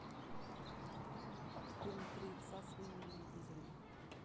фильм три икса с вином дизелем